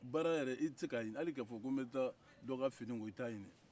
baara yɛrɛ i tɛ se k'a ɲini hali k'a fɔ n bɛ taa dɔ ka finiko i t'a ɲini